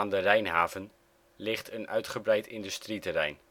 de Rijnhaven ligt een uitgebreid industrieterrein